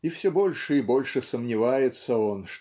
и все больше и больше сомневается он